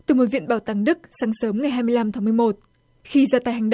từ một viện bảo tàng đức sáng sớm ngày hai mươi lăm tháng mười một khi ra tay hành